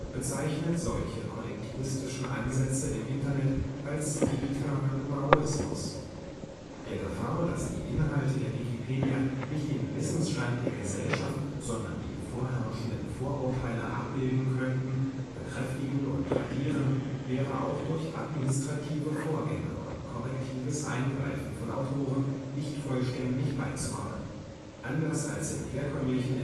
bezeichnet solche kollektivistischen Ansätze im Internet als „ Digitalen Maoismus “. Der Gefahr, dass die Inhalte der Wikipedia nicht den Wissensstand der Gesellschaft, sondern die vorherrschenden Vorurteile abbilden könnten, bekräftigen und tradieren, wäre auch durch administrative Vorgänge und korrektives Eingreifen von Autoren nicht vollständig beizukommen. Anders als in herkömmlichen